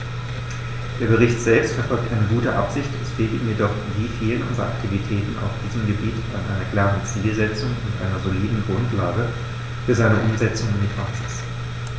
Der Bericht selbst verfolgt eine gute Absicht, es fehlt ihm jedoch wie vielen unserer Aktivitäten auf diesem Gebiet an einer klaren Zielsetzung und einer soliden Grundlage für seine Umsetzung in die Praxis.